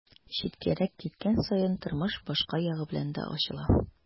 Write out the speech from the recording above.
Читкәрәк киткән саен тормыш башка ягы белән дә ачыла.